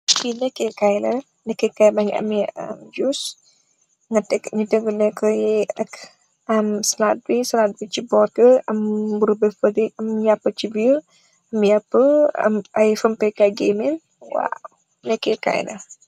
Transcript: Fi lekai la lekai kai bagi ameh juice tek lekai yi salad bi salad mung si borr bi ak mburu am yapa si birr am ay fompeh kai gemen waw lekekai la.